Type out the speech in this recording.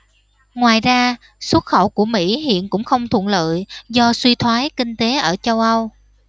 ngoài ra xuất khẩu của mỹ hiện cũng không thuận lợi do suy thoái kinh tế ở châu âu